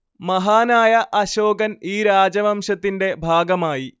മഹാനായ അശോകന്‍ ഈ രാജവംശത്തിന്റെ ഭാഗമായി